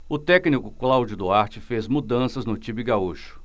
o técnico cláudio duarte fez mudanças no time gaúcho